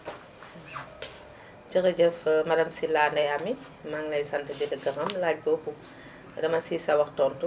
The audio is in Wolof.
jërëjëf madame Sylla Ndeye Amy maa ngi lay sant di la gërëm laaj boobu dama siy sawar tontu